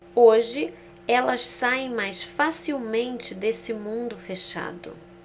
hoje elas saem mais facilmente desse mundo fechado